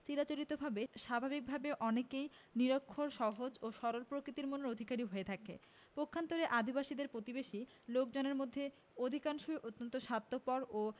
চিরাচরিতভাবে স্বাভাবিকভাবে অনেকেই নিরক্ষর সহজ ও সরল প্রকৃতির মনের অধিকারী হয়ে থাকে পক্ষান্তরে আদিবাসীদের প্রতিবেশী লোকজনদের মধ্যে অধিকাংশই অত্যন্ত স্বার্থপর ও